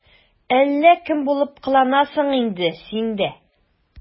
Әллә кем булып кыланасың инде син дә...